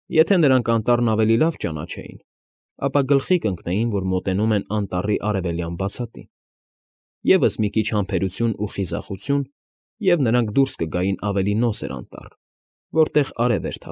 Եթե նրանք անտառն ավելի լավ ճանաչեին, ապա գլխի կընկնեին, որ մոտենում են անտառի արևելյան բացատին, ևս մի քիչ համբերություն ու խիզախություն, և նրանք դուրս կգային ավելի նոսր անտառ, որտեղ արև էր։